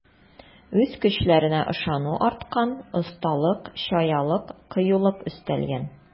Үз көчләренә ышану арткан, осталык, чаялык, кыюлык өстәлгән.